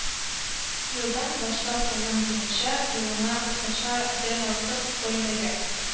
Елдан башлап район буенча елына уртача дән артык гаиләгә